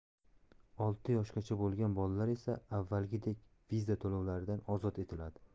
olti yoshgacha bo'lgan bolalar esa avvalgidek viza to'lovlaridan ozod etiladi